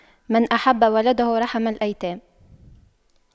من أحب ولده رحم الأيتام